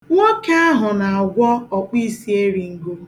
Nwoke ahụ na-agwọ ọkpụisieringo